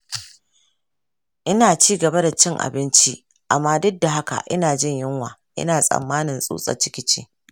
ina cigaba da cin abinci amma duk da haka ina jin yunwa. ina tsammanin tsutsar ciki ce.